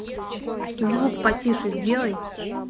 звук потише сделай